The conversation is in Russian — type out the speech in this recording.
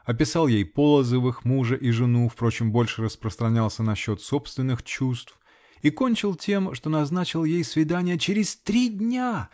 описал ей Полозовых, мужа и жену -- впрочем, больше распространялся насчет собственных чувств -- и кончил тем, что назначил ей свидание через три дня!!!